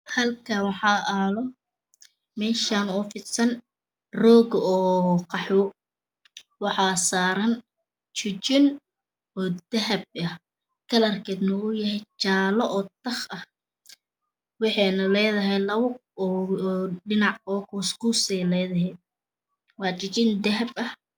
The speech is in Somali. Mashan wax fisan roog oo qahwi ah wax saran jijin dahabi ah kalr kedo waa jale